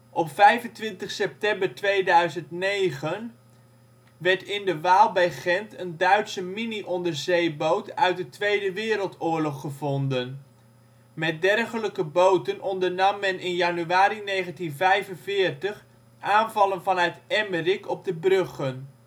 Op vrijdag 25 September 2009 werd in de Waal bij Gendt een Duitse minionderzeeboot uit de Tweede Wereldoorlog gevonden. Met dergelijke boten ondernam men in in januari 1945 aanvallen vanuit Emmerik op de bruggen